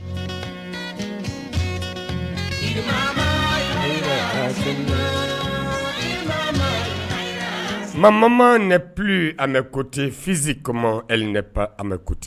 Mama mamama ne p an bɛ ko te fisi kɔ e pan an bɛ ko ten